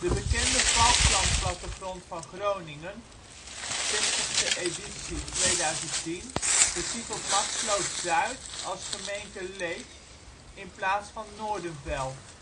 bekende Falkplan-plattegrond van Groningen, 60e editie (2010), betitelt Matsloot-zuid als ' gemeente Leek ' in plaats van Noordenveld